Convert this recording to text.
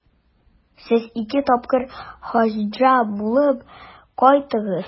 Сез ике тапкыр Хаҗда булып кайттыгыз.